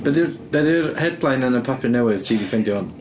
Be 'di'r be ydy'r headline yn y papur newydd ti 'di ffeindio hwn?